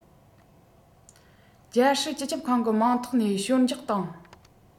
རྒྱལ སྲིད སྤྱི ཁྱབ ཁང གི མིང ཐོག ནས ཞོལ འཇགས བཏང